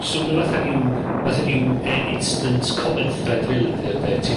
...so ma' fatha ryw, fatha ryw, yy instant comment thread rili 'di o 'de? Ti...